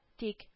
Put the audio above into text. Тик